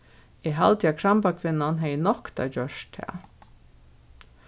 eg haldi at krambakvinnan hevði noktað at gjørt tað